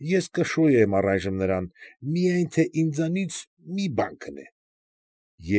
Ես կշոյեմ առայժմ նրան, միայն թե ինձանից մի բան գնե։